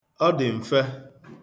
Ọ dị mfe.